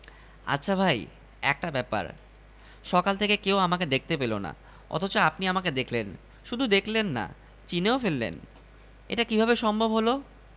আচ্ছা ভাই একটা ব্যাপার সকাল থেকে কেউ আমাকে দেখতে পেল না অথচ আপনি আমাকে দেখলেন শুধু দেখলেন না চিনেও ফেললেন এটা কীভাবে সম্ভব হলো